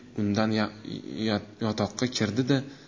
undan yotoqqa kirdi da